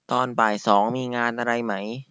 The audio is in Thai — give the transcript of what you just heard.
ตอนบ่ายสองมีงานอะไรไหม